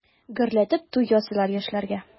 Гөрләтеп туй ясыйлар яшьләргә.